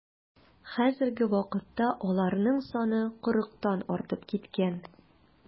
Хәзерге вакытта аларның саны кырыктан артып киткән.